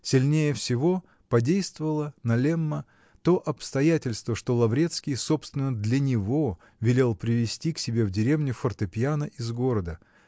Сильнее всего подействовало на Лемма то обстоятельство, что Лаврецкий собственно для него велел привезти к себе в деревню фортепьяно из города.